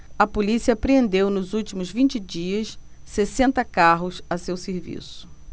a polícia apreendeu nos últimos vinte dias sessenta carros a seu serviço